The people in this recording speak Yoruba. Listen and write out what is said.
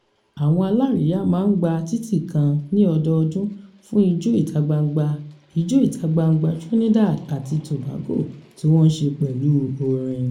Àwọn alárìíyá máa ń gba títì kan ní ọdọọdún fún Ijó ìta-gbangba Ijó ìta-gbangba Trinidad àti Tobago, tí wọn ń ṣe pẹ̀lú orin.